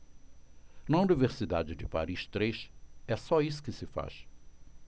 na universidade de paris três é só isso que se faz